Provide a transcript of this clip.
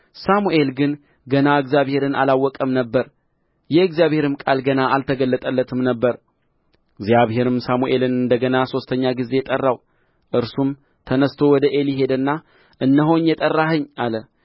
ሳሙኤል ግን ገና እግዚአብሔርን አላወቀም ነበር የእግዚአብሔርም ቃል ገና አልተገለጠለትም ነበር እግዚአብሔርም ሳሙኤልን እንደ ገና ሦስተኛ ጊዜ ጠራው እርሱም ተነሥቶ ወደ ዔሊ ሄደና እነሆኝ የጠራኸኝ አለ